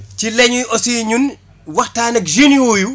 ci la ñuy aussi ñun waxtaan ak jeunes yooyu